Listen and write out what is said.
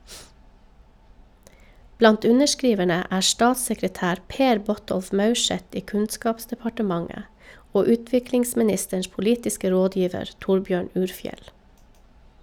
Blant underskriverne er statssekretær Per Botolf Maurseth i Kunnskapsdepartementet og utviklingsministerens politiske rådgiver Torbjørn Urfjell.